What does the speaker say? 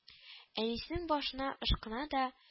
Әнисенең башына ышкына да, к